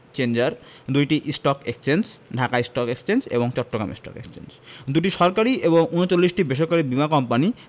changer ২টি stock exchange Dhaka stock exchange এবং Chittagong stock exchange ২টি সরকারি ও ৩৯টি বেসরকারি বীমা কোম্পানি